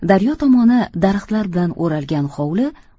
daryo tomoni daraxtlar bilan o'ralgan hovli